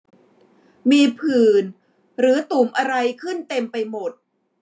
มีผื่นหรือตุ่มอะไรขึ้นเต็มไปหมด